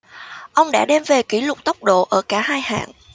ông đã đem về kỷ lục tốc độ ở cả hai hạng